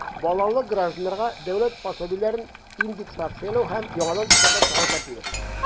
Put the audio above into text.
Балалы гражданнарга дәүләт пособиеләрен индексацияләү һәм яңадан исәпләп чыгару тәртибе.